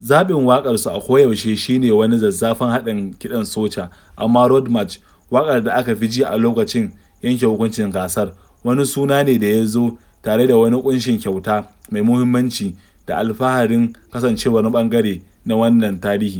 Zaɓin waƙarsu a koyaushe shi ne wani zazzafan haɗin kiɗan soca, amma Road March - waƙar da aka fi ji a lokacin yanke hukuncin gasar - wani suna ne da ya zo tare da wani ƙunshin kyauta mai muhimmanci da alfaharin kasancewa wani ɓangare na wannan tarihi.